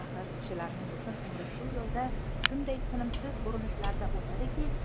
axir kishilarning butun umri bu yo'lda shunday tinimsiz intilishlarda o'tadiki